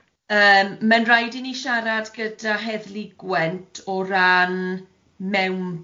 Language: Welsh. Yym mae'n rhaid i ni siarad gyda Heddlu Gwent o ran mewnbwn.